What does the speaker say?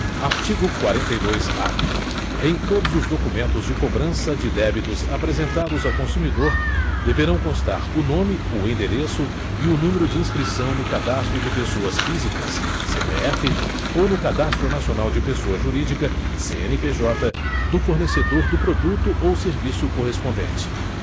artigo quarenta e dois a em todos os documentos de cobrança de débitos apresentados ao consumidor deverão constar o nome o endereço e o número de inscrição no cadastro de pessoas físicas cpf ou no cadastro nacional de pessoa jurídica cnpj do fornecedor do produto ou serviço correspondente